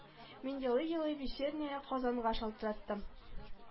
Мин елый-елый вечерняя казанга шалтыраттым